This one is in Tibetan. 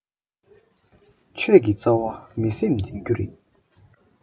ཆོས ཀྱི རྩ བ མི སེམས འཛིན རྒྱུ རེད